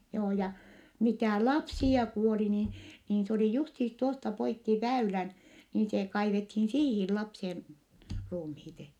joo ja mitä lapsia kuoli niin niin se oli justiinsa tuosta poikki väylän niin se kaivettiin siihen lapsien ruumiit